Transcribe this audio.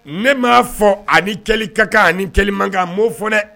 Ne m maa fɔ ani kɛlikakan ani kɛ manka mɔ fɔ ne